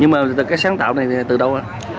nhưng mà cái sáng tạo này từ đâu ra